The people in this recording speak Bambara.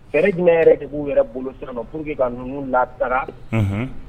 Fɛrɛ jumɛn yɛrɛ de b'u yɛrɛ bolo sisan nɔ pour que ka ninnu lataga, unhun.